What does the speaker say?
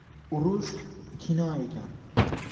urush kino ekan